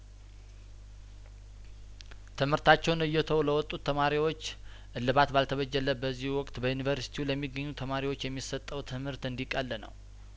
ትምርታቸውን እየተዉ ለወጡት ተማሪዎች እልባትባል ተበጀለት በዚህ ወቅት በዩኒቨርስቲው ለሚገኙ ተማሪዎች የሚሰጠው ትምርት እንዲቀል ነው